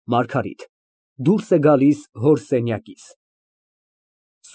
ՄԱՐԳԱՐԻՏ ֊ Դուրս է գալիս հոր սենյակից։